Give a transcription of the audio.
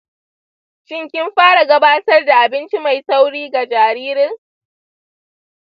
shin kin fara gabatar da abinci mai tauri ga jaririn?